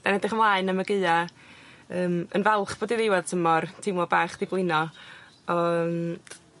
'dan ni edrych ymlaen am y Gaea yym yn falch fod 'i ddiwedd tymor teimlo bach 'di blino ond